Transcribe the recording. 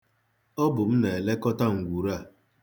Ọ bụ m na-elekọta ngwuru a.